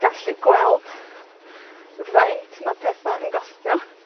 gallu gweld faint ma' petha yn gostio.